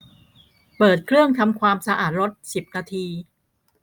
เปิดเครื่องทำความสะอาดรถสิบนาที